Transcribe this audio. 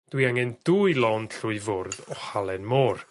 Dwi angen dwy lond llwy fwrdd o halen môr